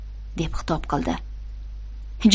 deb xitob qildi